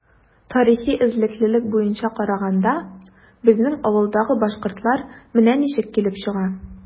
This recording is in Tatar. Тарихи эзлеклелек буенча караганда, безнең авылдагы “башкортлар” менә ничек килеп чыга.